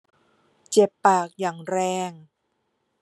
เจ็บปากอย่างแรง